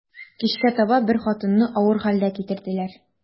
Кичкә таба бер хатынны авыр хәлдә китерделәр.